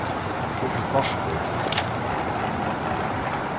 hvussu svavst tú